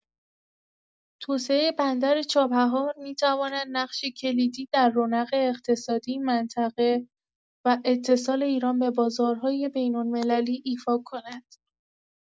توسعه بندر چابهار می‌تواند نقش کلیدی در رونق اقتصادی منطقه و اتصال ایران به بازارهای بین‌المللی ایفا کند.